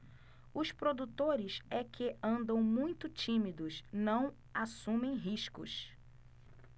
os produtores é que andam muito tímidos não assumem riscos